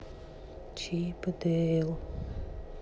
чип и дейл